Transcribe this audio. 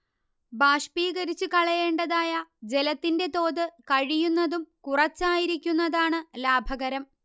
ബാഷ്പീകരിച്ചുകളയേണ്ടതായ ജലത്തിന്റെ തോത് കഴിയുന്നതും കുറച്ചായിരിക്കുന്നതാണ് ലാഭകരം